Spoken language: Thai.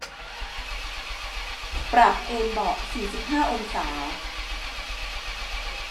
ปรับเอนเบาะสี่สิบห้าองศา